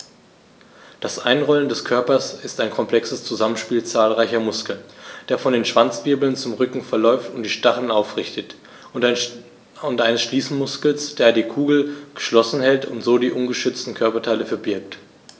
Das Einrollen des Körpers ist ein komplexes Zusammenspiel zahlreicher Muskeln, der von den Schwanzwirbeln zum Rücken verläuft und die Stacheln aufrichtet, und eines Schließmuskels, der die Kugel geschlossen hält und so die ungeschützten Körperteile verbirgt.